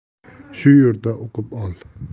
shu yerda o'qib ol